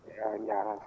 eeyi on njaaraama